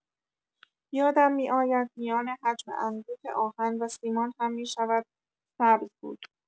یادم می‌آید میان حجم انبوه آهن و سیمان هم می‌شود سبز بود.